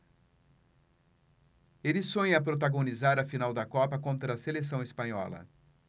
ele sonha protagonizar a final da copa contra a seleção espanhola